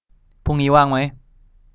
พรุ่งนี้ว่างมั้ย